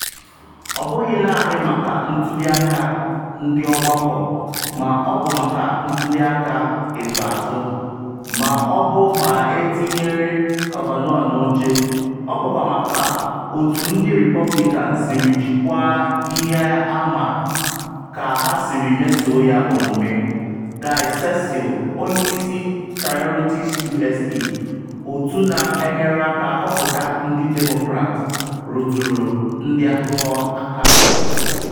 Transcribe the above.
“Ọ bụghị naanị maka ntuli aka ndị ọgbakọ ma ọ bụ maka ntuli aka ikpeazụ ma ọ bụ ma etinyere Kavanaugh n’oche, ọ bụkwa maka otu ndị Repọblikan siri jikwaa ihe a ma ka ha siri meso ya omume,” Guy Cecil, onye isi Priorities USA, otu na-enyere aka ahọpụta ndị Demokrat, rụtụrụ ndị akụkọ aka.